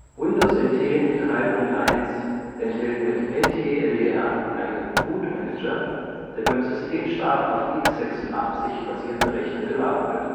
Windows NT 3.1 enthält mit NTLDR einen Bootmanager, der beim Systemstart auf x86-basierten Rechnern geladen wird